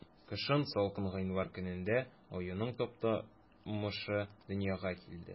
Кышын, салкын гыйнвар көнендә, аюның Таптамышы дөньяга килде.